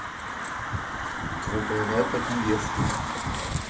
крутой рэп от невесты